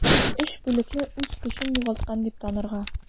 3 бүлекне үз көчен югалткан дип танырга.